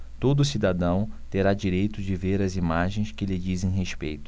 todo cidadão terá direito de ver as imagens que lhe dizem respeito